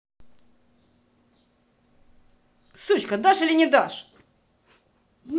сучка дашь или нидашь